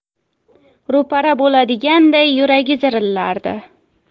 ro'para bo'ladiganday yuragi zirillardi